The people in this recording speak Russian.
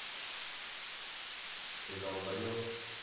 ты долбаеб